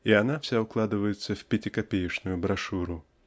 и она вся укладывается в пятикопеечную брошюру.